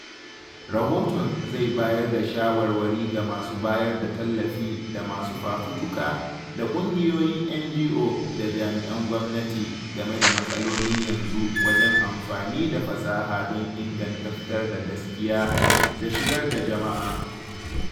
Rahoton zai bayar da shawarwari ga masu bayar da tallafi da masu fafutuka da ƙungiyoyin NGO da jami’an gwamnati game da matsalolin yanzu wajen amfani da fasaha don inganta fitar da gaskiya da shigar da jama’a.